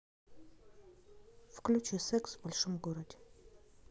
включи секс в большом городе